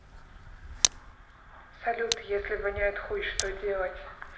салют если воняет хуй что делать